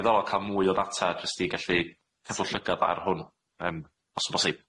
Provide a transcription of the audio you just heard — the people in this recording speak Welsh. diddorol ca'l mwy o ddata jyst i gallu ca'l o llygad ar hwn yym os o' bosib.